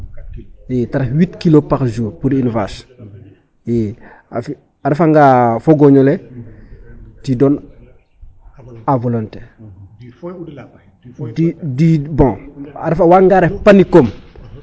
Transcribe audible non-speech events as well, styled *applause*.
II ta ref huit kilo par jour pour une vache ii. A refanga fo gooñ ole tu donnes a volonter *hesitation* a waaganga ref pamicome.